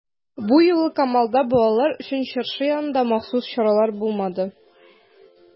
Бу юлы Камалда балалар өчен чыршы янында махсус чаралар булмады.